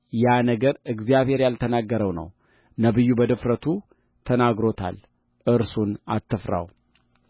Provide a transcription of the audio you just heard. ያ ነገር እግዚአብሔር ያልተናገረው ነው ነቢዩ በድፍረቱ ተናግሮታል እርሱን አትፍራው